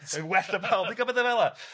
Yn well na pawb i gweld betha fel 'a.